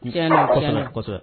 Kɔsɛbɛ